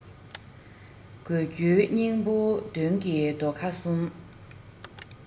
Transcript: དགོས རྒྱུའི སྙིང པོ དོན གྱི རྡོ ཁ གསུམ